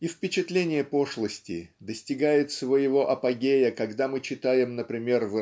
и впечатление пошлости достигает своего апогея когда мы читаем например